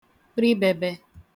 kprịbebe